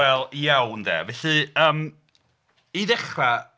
Wel iawn de, felly yym i ddechrau...